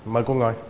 mời cô ngồi